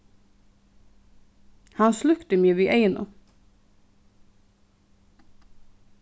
hann slúkti meg við eygunum